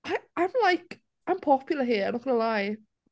I... I'm like I'm popular here, I'm not going to lie.